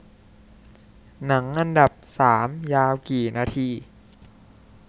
หนังอันดับสามยาวกี่นาที